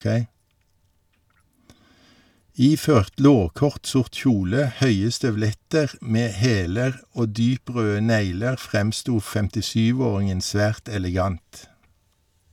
Iført lårkort sort kjole, høye støvletter med hæler og dyprøde negler fremsto 57-åringen svært elegant.